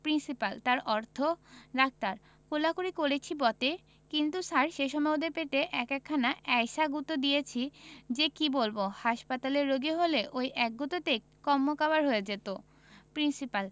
principal তার অর্থ ডাক্তার কোলাকুলি করেছি বটে কিন্তু স্যার সে সময় ওদের পেটে এক একখানা এ্যায়সা গুঁতো দিয়েছে যে কি বলব হাসপাতালের রোগী হলে ঐ এক গুঁতোতেই কন্মকাবার হয়ে যেত প্রিন্সিপাল